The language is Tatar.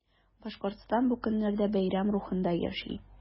Башкортстан бу көннәрдә бәйрәм рухында яши.